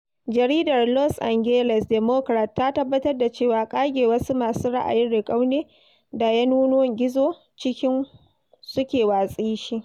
Jaridar Los Angeles Democrat ta tabbatar da cewa ƙage wasu "masu ra'ayin riƙau" ne da yanonin gizo suke watsa shi.